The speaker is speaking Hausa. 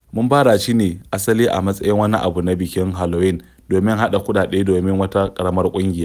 Mun fara shi ne asali a matsayin wani abu na bikin Halloween domin haɗa kuɗaɗe domin wata ƙaramar ƙungiya.